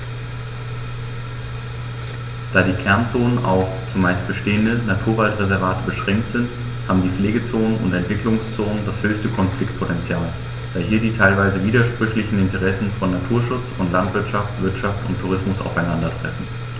Da die Kernzonen auf – zumeist bestehende – Naturwaldreservate beschränkt sind, haben die Pflegezonen und Entwicklungszonen das höchste Konfliktpotential, da hier die teilweise widersprüchlichen Interessen von Naturschutz und Landwirtschaft, Wirtschaft und Tourismus aufeinandertreffen.